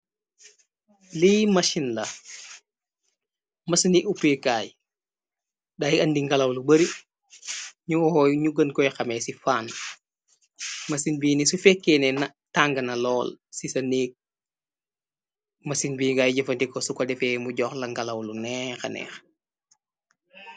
Lii mashin la, masi ni upekaay, day indi ngalaw lu bari, ñu oy ñu gën koy xame ci faan, masin bii ni su fekkeene tàngna lool ci ca nee, masin bi ngay jëfandiko, su ko defee mu jox la ngalaw lu neexaneex.